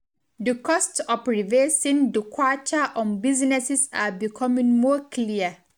The costs of rebasing the Kwacha on businesses are becoming more clear.